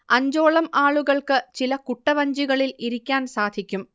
അഞ്ചോളം ആളുകൾക്ക് ചില കുട്ടവഞ്ചികളിൽ ഇരിക്കാൻ സാധിക്കും